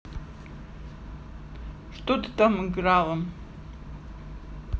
что ты там играла